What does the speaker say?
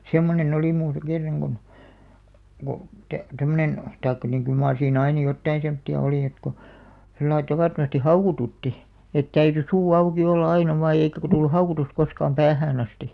semmoinen oli minussa kerran kun kun - tämmöinen tai niin kyllä mar siinä aina jotakin semmoista oli että kun sillä lailla tavattomasti haukotutti että täytyi suu auki olla aina vain ja eikä - tullut haukotus koskaan päähän asti